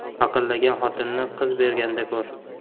qaqillagan xotinni qiz berganda ko'r